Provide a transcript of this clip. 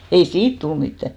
ei siitä tullut mitään